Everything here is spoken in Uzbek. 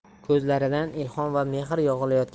ko'zlaridan ilhom va mehr yog'ilayotgan navoiy